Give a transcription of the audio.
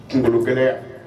Kunkologolo g